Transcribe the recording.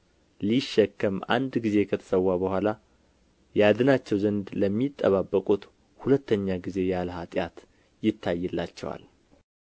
ሊሸከም አንድ ጊዜ ከተሰዋ በኋላ ያድናቸው ዘንድ ለሚጠባበቁት ሁለተኛ ጊዜ ያለ ኃጢአት ይታይላቸዋል